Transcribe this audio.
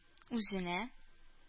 Үзенә